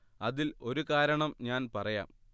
അതിൽ ഒരു കാരണം ഞാൻ പറയാം